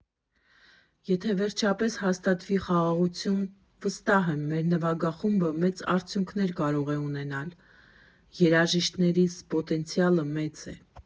Եթե վերջապես հաստատվի խաղաղություն, վստահ եմ՝ մեր նվագախումբը մեծ արդյունքներ կարող է ունենալ, երաժիշտներիս պոտենցիալը մեծ է։